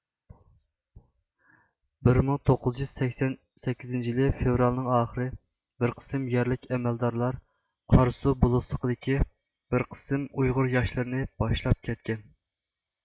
بىر مىڭ توققۇز يۈز سەكسەن سەككىزىنچى يىلى فىۋرالنىڭ ئاخىرى بىر قىسىم يەرلىك ئەمەلدارلار قارسۇ بولۇسلىقىدىكى بىر قىسىم ئۇيغۇر ياشلىرىنى باشلاپ كەتكەن